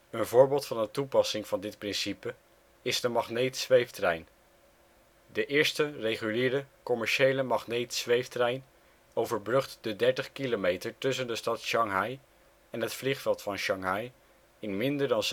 Een voorbeeld van een toepassing van dit principe is de magneetzweeftrein. De eerste reguliere, commerciële magneetzweeftrein overbrugt de 30 km tussen de stad Shanghai en het vliegveld van Sjanghai in minder dan